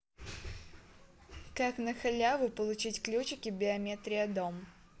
как нахаляву получить ключики биометрия дом